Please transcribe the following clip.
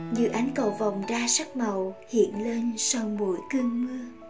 như ánh cầu vồng đa sắc màu hiện lên sau mỗi cơn mưa